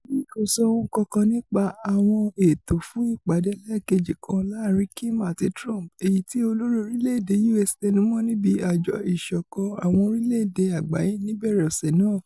Ri kò sọ ohun kankan nípa àwọn ètò fún ìpàdé ẹlẹ́ẹ̀keji kan láàrin Kim àti Trump èyití olórí orílẹ̀-èdè U.S. tẹnumọ́ níbi Àjọ Ìṣọ̀kan Àwọn orílẹ̀-èdè Àgbáyé níbẹ̀rẹ̀ ọ̀sẹ̀ náà.